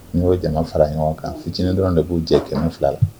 N'i'o jama fara ɲɔgɔn kan fitinin dɔrɔn de b'u jɛ kɛmɛ fila la